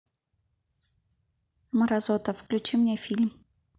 мразота включи мне фильм